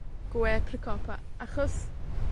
Gwe pry cop, a achos,